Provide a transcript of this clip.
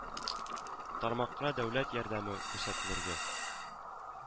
Тармакка дәүләт ярдәме күрсәтелергә